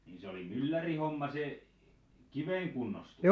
niin se oli myllärin homma se kiven kunnostus